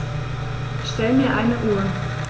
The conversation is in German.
Stell mir eine Uhr.